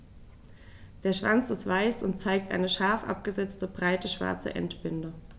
Der Schwanz ist weiß und zeigt eine scharf abgesetzte, breite schwarze Endbinde.